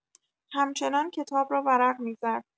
همچنان کتاب را ورق می‌زد.